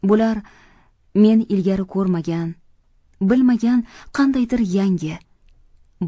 bular men ilgari ko'rmagan bilmagan qandaydir yangi